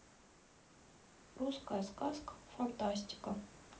русская сказка фантастика